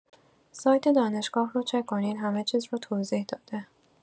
سایت دانشگاه رو چک کنید همه چیز رو توضیح داده